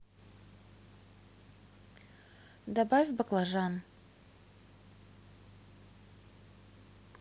добавь баклажан